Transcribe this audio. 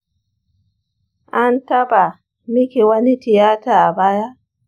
an taba miki wani tiyata a baya?